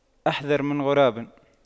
أحذر من غراب